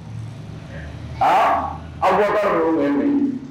A aw bɛ baro